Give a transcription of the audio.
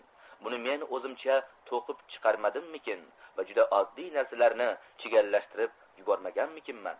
buni men o'zimcha to'qib chiqarmadimmikin va juda oddiy narsalarni chigallashtirib yurmaganmikinman